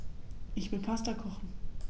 Ich will Pasta kochen.